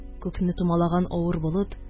Күкне томалаган авыр болыт